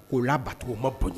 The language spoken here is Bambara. K' la bacogo ma ban